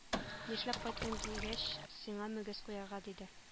Нишләп кайттың дигәч сиңа мөгез куярга диде